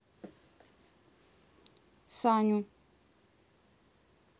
саню